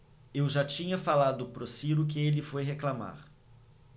eu já tinha falado pro ciro que ele foi reclamar